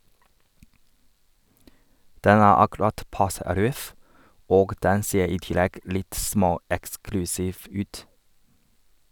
Den er akkurat passe røff, og den ser i tillegg litt småeksklusiv ut.